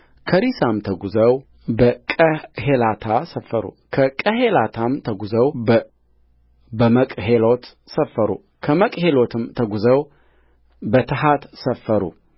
ከሪሳም ተጕዘው በቀሄላታ ሰፈሩከቀሄላታም ተጕዘው በሻፍር ተራራ ሰፈሩከሻፍር ተራራም ተጕዘው በሐራዳ ሰፈሩከሐራዳም ተጕዘው በመቅሄሎት ሰፈሩከመቅሄሎትም ተጕዘው በታሐት ሰፈሩ